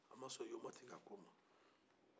a masɔn yomti ka ko ma